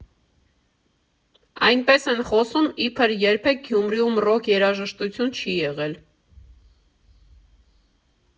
Այնպես են խոսում, իբր երբեք Գյումրիում ռոք երաժշտություն չի եղել։